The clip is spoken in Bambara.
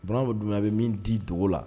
Bana bɛ dun a bɛ min di dogo la